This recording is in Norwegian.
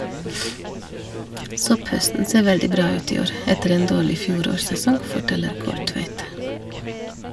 - Sopphøsten ser veldig bra ut i år ,etter en dårlig fjorårssesong, forteller Kolltveit.